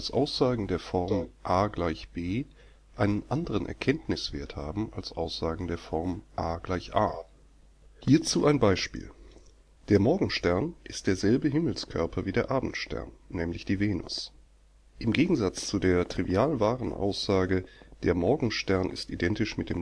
Aussagen der Form „ a = b “einen anderen „ Erkenntniswert “haben als Aussagen der Form „ a = a “. Hierzu ein Beispiel: Der Morgenstern ist derselbe Himmelskörper wie der Abendstern (nämlich die Venus). Im Gegensatz zu der trivial wahren Aussage „ Morgenstern =